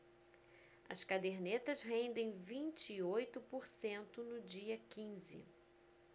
as cadernetas rendem vinte e oito por cento no dia quinze